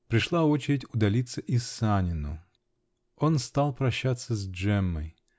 Пришла очередь удалиться и Санину. Он стал прощаться с Джеммой.